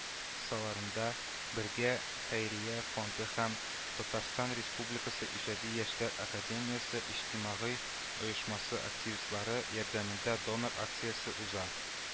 Кысаларында, “бергә!” хәйрия фонды һәм “татарстан республикасы иҗади яшьләр академиясе” иҗтимагый оешмасы активистлары ярдәмендә донор акциясе уза